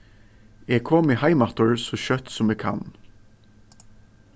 eg komi heim aftur so skjótt sum eg kann